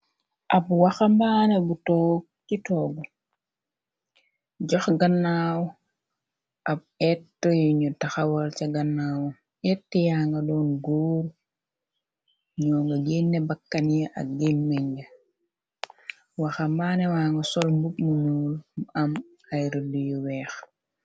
ab waxa mbaane bu toog ci toogu jox gannaaw ab et yu ñu taxawal ca gannaawu et yaanga doon góor ñoo nga genne bakkani ak gém menge waxa mbaane wanga sol mbub mu nuul mu am ayru lu yu weex